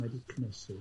Mae 'di c'nesu.